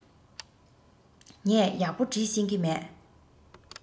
ངས ཡག པོ འབྲི ཤེས ཀྱི མེད